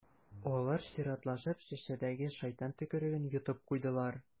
Алар чиратлашып шешәдәге «шайтан төкереге»н йотып куйдылар.